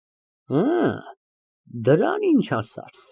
Կգա՞ս, թե չէ։ ՄԱՐԳԱՐԻՏ ֊ Ես տրամադրություն չունիմ երեկույթ գնալու։